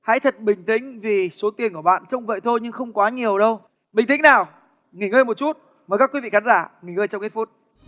hãy thật bình tĩnh vì số tiền của bạn trông vậy thôi nhưng không quá nhiều đâu bình tĩnh nào nghỉ ngơi một chút với các quý vị khán giả nghỉ ngơi trong ít phút